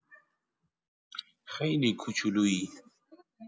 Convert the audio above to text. خیلی کوچولویی